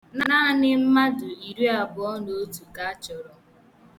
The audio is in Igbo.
Naanị mmadụ iriabụọ na otu ka a chọrọ.